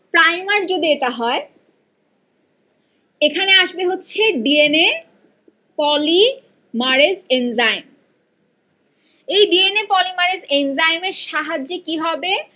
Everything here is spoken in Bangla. প্রাইমার যদি এটা হয় এখানে আসবে হচ্ছে D N A polymerase enzyme এই ডিএনএ পলিমারেজ এনজাইমের সাহায্যে কি হবে